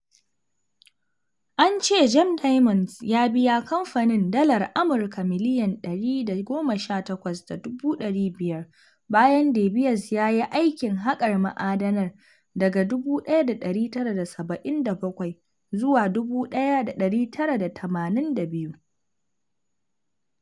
An ce Gem Diamonds ya biya kamfanin dalar Amurka miliyan 118.5 bayan De Beers ya yi aikin haƙar ma'adanan daga 1977 zuwa 1982.